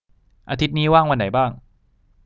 อาทิตย์นี้ว่างวันไหนบ้าง